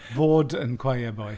Fod yn choir boy.